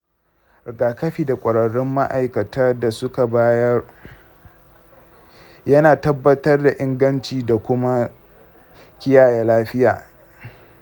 rigakafin da kwararrun ma’aikata suka bayar yana tabbatar da inganci da kuma kiyaye lafiya.